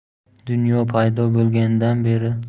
dunyo paydo bo'lganidan beri